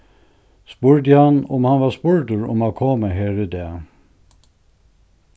spurdi hann um hann var spurdur um at koma her í dag